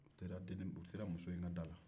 u sera muso in ka da la